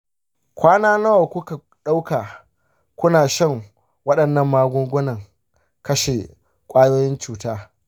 kwana nawa kuka dauka kuna shan wadancan magungunan kashe kwayoyin cuta